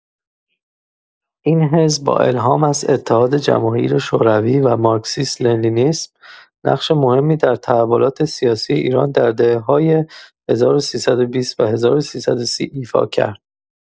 این حزب با الهام از اتحاد جماهیر شوروی و مارکسیسم‌لنینیسم، نقش مهمی در تحولات سیاسی ایران در دهه‌های ۱۳۲۰ و ۱۳۳۰ ایفا کرد.